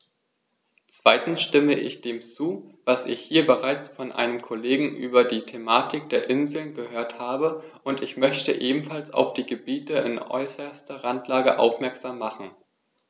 Zweitens stimme ich dem zu, was ich hier bereits von einem Kollegen über die Thematik der Inseln gehört habe, und ich möchte ebenfalls auf die Gebiete in äußerster Randlage aufmerksam machen.